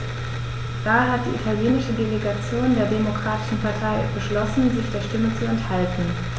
Daher hat die italienische Delegation der Demokratischen Partei beschlossen, sich der Stimme zu enthalten.